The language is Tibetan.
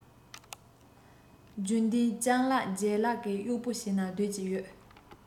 རྒྱུན ལྡན སྤྱང ལགས ལྗད ལགས ཀྱི གཡོག པོ བྱས ནས སྡོད ཀྱི ཡོད